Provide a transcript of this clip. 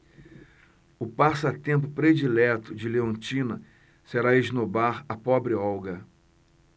o passatempo predileto de leontina será esnobar a pobre olga